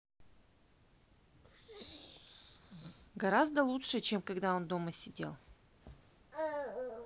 гораздо лучше чем когда он дома сидел